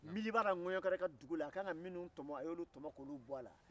n'bilibala ŋɛɲɛkɔrɔ ka dugu la a ka kan ka minnu tɔmɔ o y'olu tɔmɔ k'olu bɔ a la